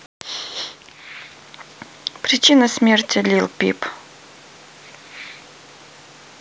причина смерти lil peep